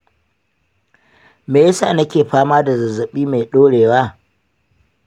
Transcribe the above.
me yasa nake fama da zazzabi mai ɗorewa?